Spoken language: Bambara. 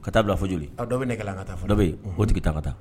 Ka taa bila joli dɔ bɛ ne ka taa dɔ o tigi taa ka taa